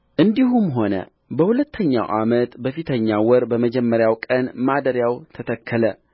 እንዲህም ሆነ በሁለተኛው ዓመት በፊተኛው ወር በመጀመሪያው ቀን ማደሪያው ተተከለ